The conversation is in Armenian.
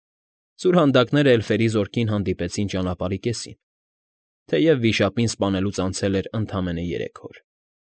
Սուրհանդակներն էլֆերի զորքին հանդիպեցին ճանապարհի կեսին, թեև վիշապին սպանելուց անցել էր ընդամենը երեք օր։